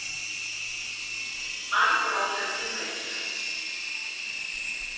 Այն պրոցեսի մեջ է։